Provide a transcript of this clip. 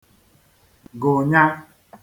gụ̀nya